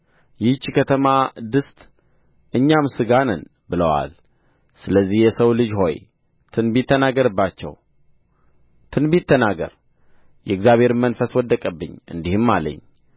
ይህች ከተማ ድስት እኛም ሥጋ ነን ብለዋል ስለዚህ የሰው ልጅ ሆይ ትንቢት ተናገርባቸው ትንቢት ተናገር የእግዚአብሔርም መንፈስ ወደቀብኝ እንዲህም አለኝ